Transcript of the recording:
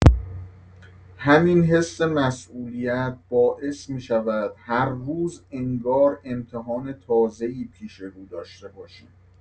همین حس مسئولیت باعث می‌شود هر روز انگار امتحان تازه‌ای پیش رو داشته باشم.